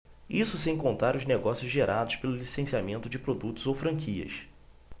isso sem contar os negócios gerados pelo licenciamento de produtos ou franquias